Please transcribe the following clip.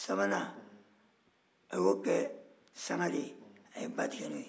sabanan a y'o kɛ sangare ye a ye ba tigɛ n'o ye